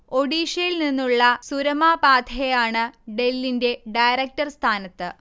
ഒഡീഷയിൽനിന്നുള്ള സുരമാ പാധേയാണ് ഡെല്ലിന്റെ ഡയറക്ടർ സ്ഥാനത്ത്